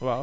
waaw